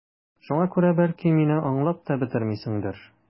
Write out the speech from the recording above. Шуңа күрә, бәлки, мине аңлап та бетермисеңдер...